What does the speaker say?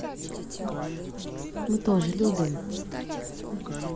мы тоже любим